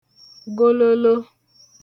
gololo